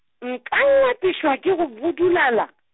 nka lapišwa ke go budulala.